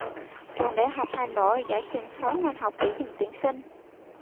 trường đại học hà nội giải trình sáu ngành học bị dừng tuyển sinh